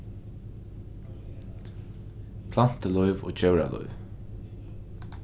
plantulív og djóralív